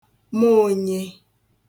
moònye